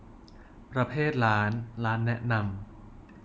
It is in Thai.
ประเภทร้านร้านแนะนำ